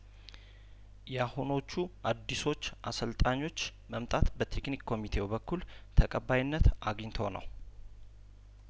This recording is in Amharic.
የአሁኖቹ አዲሶች አሰልጣኞች መምጣት በቴክኒክ ኮሚቴው በኩል ተቀባይነት አግኝቶ ነው